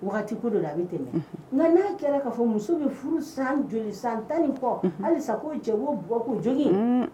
Waati ko dɔ la a bɛ tɛmɛ nka n'a kɛra k'a fɔ muso bɛ furu san joli san tanni kɔ halisa k ko cɛ o bu ko joli